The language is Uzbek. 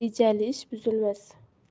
rejali ish buzilmas